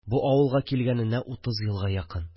Бу авылга килгәненә утыз елга якын